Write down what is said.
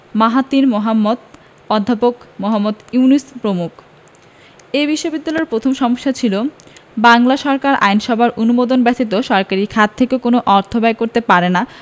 Mahathir Mohamad অধ্যাপক মুহম্মদ ইউনুস প্রমুখ এ বিশ্ববিদ্যালয়ের প্রথম সমস্যা ছিল বাংলা সরকার আইনসভার অনুমোদন ব্যতীত সরকারি খাত থেকে কোন অর্থ ব্যয় করতে পারে না